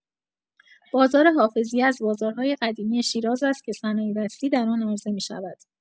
بازار حافظیه از بازارهای قدیمی شیراز است که صنایع‌دستی در آن عرضه می‌شود.